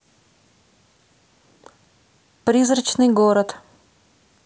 призрачный город